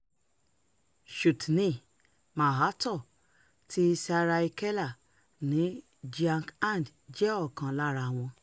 Chutni Mahato ti Saraikela ní Jharkhand jẹ́ ọ̀kan lára wọn.